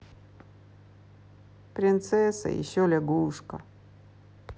принцесса еще лягушка